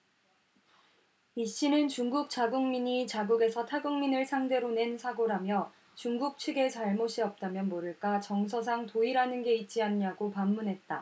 이씨는 중국 자국민이 자국에서 타국민을 상대로 낸 사고라며 중국 측의 잘못이 없다면 모를까 정서상 도의라는 게 있지 않냐고 반문했다